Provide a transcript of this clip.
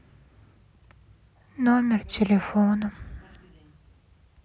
номер телефона